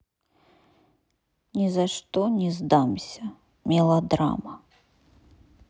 ни за что не сдамся мелодрама